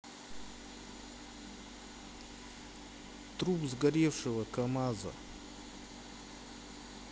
труп сгоревшего камаза